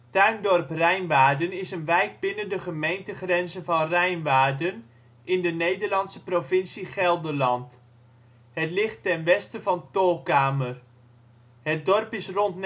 Tuindorp Rijnwaarden is een wijk binnen de gemeentegrenzen van Rijnwaarden in de Nederlandse provincie Gelderland. Het ligt ten westen van Tolkamer. Het dorp is rond